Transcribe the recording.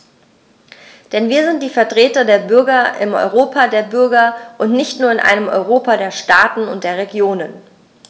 Denn wir sind die Vertreter der Bürger im Europa der Bürger und nicht nur in einem Europa der Staaten und der Regionen.